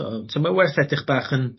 So t'o' ma' werth edrych bach yn